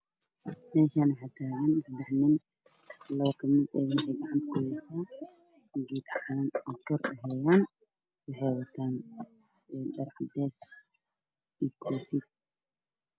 Meeshaan waxaa taaga labo saddex nin labo ka mid ah ne ay gacanta ku wataan geed calan ahay kor ku heeyaan waxay wataan dhar cadays iyo koofi.